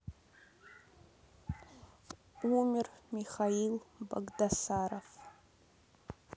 умер михаил багдасаров